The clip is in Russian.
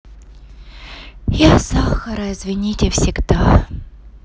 я сахара извините всегда